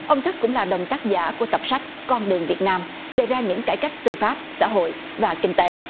ông thức cũng là đồng tác giả của tập sách con đường việt nam đề ra những cải cách tư pháp xã hội và kinh tế